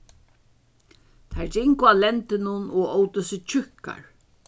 teir gingu á lendinum og ótu seg tjúkkar